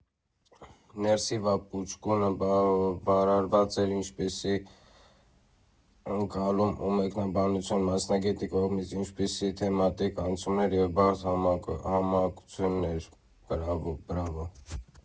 Ներսի Վա Պուկչուկոն բավարարված էր՝ ինչպիսի՜ ընկալում ու մեկնաբանություն մասնագետի կողմից, ինչպիսի՜ թեմատիկ անցումներ և բարդ համակցումներ, բրա՛վո, բրա՜վո։